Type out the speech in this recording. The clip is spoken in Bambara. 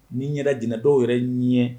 Nin y yɛlɛ jna dɔw yɛrɛ ɲɛ